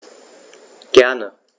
Gerne.